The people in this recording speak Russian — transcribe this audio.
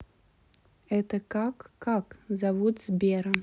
это как как зовут сбера